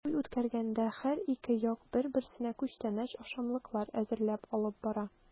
Туй үткәргәндә һәр ике як бер-берсенә күчтәнәч-ашамлыклар әзерләп алып бара.